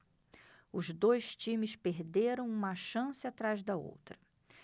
os dois times perderam uma chance atrás da outra